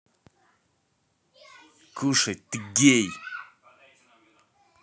кушать ты гей